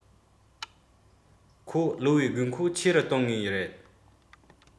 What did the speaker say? ཁོ ལོ བའི དགོས མཁོ ཆེ རུ གཏོང ངེས རེད